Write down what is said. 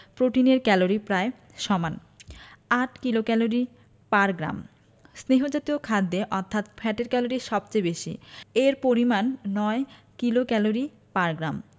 প্রোটিনের ক্যালরি প্রায় সমান ৮ কিলোক্যালরি পার গ্রাম স্নেহ জাতীয় খাদ্যে অর্থাৎ ফ্যাটের ক্যালরি সবচেয়ে বেশি এর পরিমান ৯ কিলোক্যালরি পার গ্রাম